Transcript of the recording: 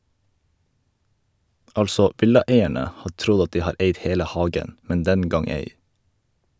Altså, villaeierne har trodd at de har eid hele hagen, men den gang ei.